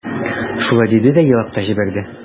Шулай диде дә елап та җибәрде.